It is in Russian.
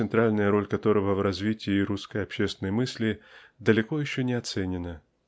центральная роль которого в развитии русской общественной мысли далеко еще не оценена.